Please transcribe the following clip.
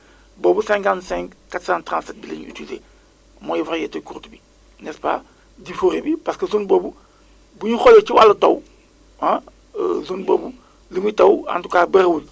boobu 55 437 bi lañuy utiliser mooy variété courte bi n' est ce pas jii fuure bi parce que zone boobu bu ñu xoolee ci wàllu taw ah zone boobu li muy taw en tout cas bëriwul